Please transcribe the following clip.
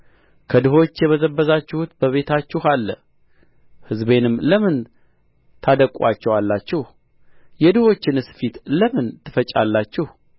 ከድሆች የበዘበዛችሁት በቤታችሁ አለ ሕዝቤንም ለምን ታደቅቁአቸዋላችሁ የድሆችንስ ፊት ለምን ትፈጫላችሁ